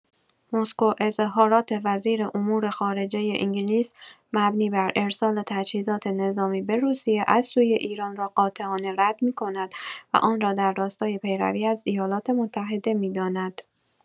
مسکو اظهارات وزیر امور خارجه انگلیس مبنی بر ارسال تجهیزات نظامی به روسیه از سوی ایران را قاطعانه رد می‌کند و آن را در راستای پیروی از ایالات‌متحده می‌داند.